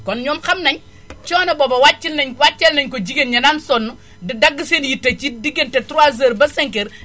kon ñoom xam nañ coono boobu wàcc nañ wàcceel nañ ko jigéen ña daan sonn di dagg seen i yite ci diggante trois heures ba cinq heures